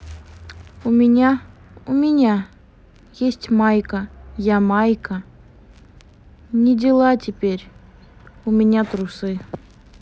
у меня у меня есть майка я майка не дела теперь у меня трусы